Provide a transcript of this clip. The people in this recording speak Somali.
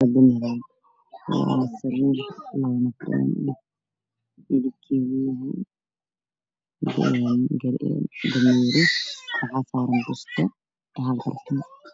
Waa sariir khaladkeedu yahay madow saaraan go cadaan bartiimo geesaha waxaa ka yaalla kulamadii